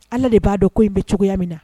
Ala de b'a dɔn ko in bɛ cogoya min na